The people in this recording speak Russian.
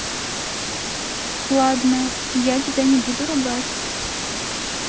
ладно я тебе не буду ругать